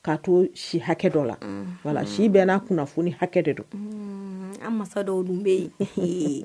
K'a to si hakɛ dɔ la wala si bɛn n'a kunna fo ni hakɛ de don an masa dɔw dun bɛ yen